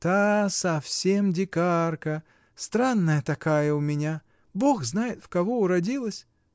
— Та совсем дикарка — странная такая у меня. Бог знает, в кого уродилась!